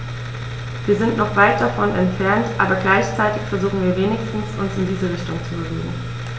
Wir sind noch weit davon entfernt, aber gleichzeitig versuchen wir wenigstens, uns in diese Richtung zu bewegen.